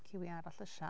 Cyw iar a llysiau